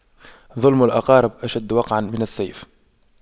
ظلم الأقارب أشد وقعا من السيف